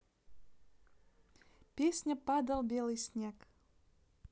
песня падал белый снег